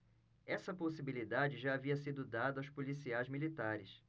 essa possibilidade já havia sido dada aos policiais militares